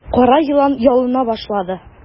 Кара елан ялына башлады.